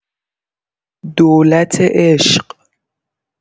دولت عشق